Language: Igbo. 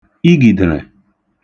igìdə̣̀ṙẹ̀